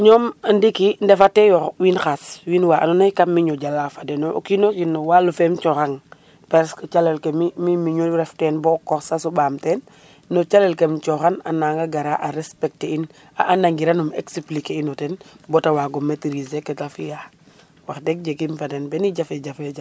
ñom ndiki ndefate yo wi xas win wa ando kam miƴo jala fo deno o kino kin no walu fe coxang presque calel ke mi mi miƴu ref ten bo kor sa soɓam ten no calel ke coxan ananga gara a respecter in a anangiran um expliquer ino ten bata wago maitriser kete fiya wax deg jegim fa den beni jafe jafe